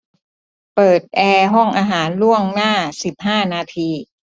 เปิดแอร์ห้องอาหารล่วงหน้าสิบห้านาที